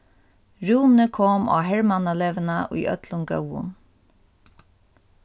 rúni kom á hermannaleguna í øllum góðum